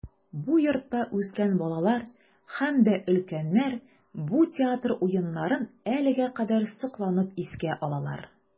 Бу йортта үскән балалар һәм дә өлкәннәр бу театр уеннарын әлегә кадәр сокланып искә алалар.